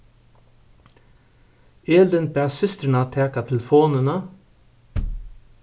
elin bað systrina taka telefonina